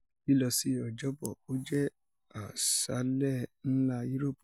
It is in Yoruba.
Lílọsí Ọ̀jọbọ, ó jẹ́ àṣálẹ́ ńlá Yúróòpù kan.